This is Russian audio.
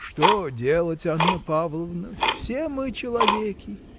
– Что делать, Анна Павловна, все мы человеки!